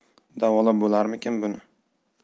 davolab bo'larmikin buni